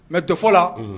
Mɛ tofɔ la